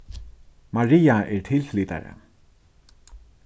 maria er tilflytari